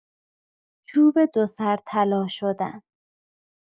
چوب دو سر طلا شدن